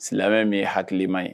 Silamɛ ye hakili man ye